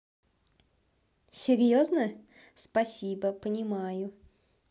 серьезно спасибо понимаю